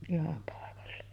ihan paikalla